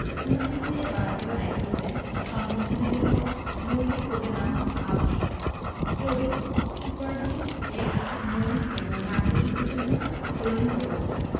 অণুবীজ দিয়ে বায়বীয় নাইট্রোজেন সংবন্ধনের জন্য মোলিবডেনাম আবশ্যক ক্লোরিন সুপারবিট এর মূল এবং কাণ্ডের বিদ্ধির জন্য ক্লোরিন পয়োজন